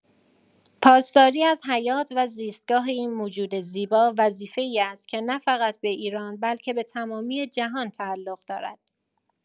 پاسداری از حیات و زیستگاه این موجود زیبا، وظیفه‌ای است که نه‌فقط به ایران بلکه به تمامی جهان تعلق دارد.